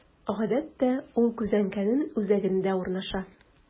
Гадәттә, ул күзәнәкнең үзәгендә урнаша.